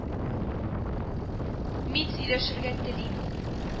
— мин сөйләшергә телим…